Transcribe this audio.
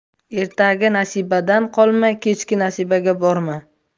ertagi nasibadan qolma kechki nasibaga borma